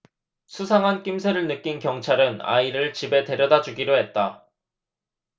수상한 낌새를 느낀 경찰은 아이를 집에 데려다 주기로 했다